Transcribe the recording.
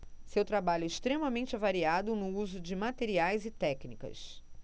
seu trabalho é extremamente variado no uso de materiais e técnicas